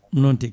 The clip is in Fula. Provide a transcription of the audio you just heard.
noon tigui